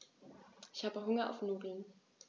Ich habe Hunger auf Nudeln.